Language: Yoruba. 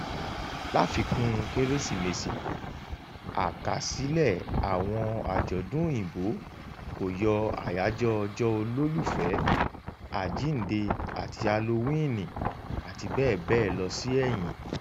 Láfikún-un Kérésìmesì, àkàsílẹ̀ àwọn àjọ̀dún Òyìnbó kò yọ Àyájọ́ Ọjọ́ Olólùfẹ́, Àjíǹde àti Halowíìnì, àti bẹ́ẹ̀ bẹ́ẹ̀ lọ sí ẹ̀yìn.